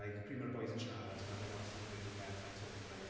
Like pryd mae'r bois yn siarad a mae fe wastad yn gweud rhywbeth like sort of like...